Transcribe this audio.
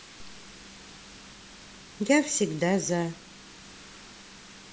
я всегда за